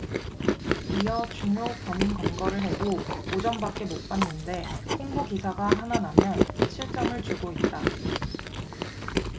이어 중요 범인 검거를 해도 오 점밖에 못 받는데 홍보 기사가 하나 나면 칠 점을 주고 있다